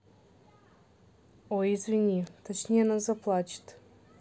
ой извини точнее она заплачет